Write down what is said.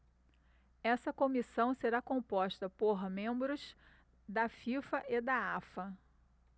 essa comissão será composta por membros da fifa e da afa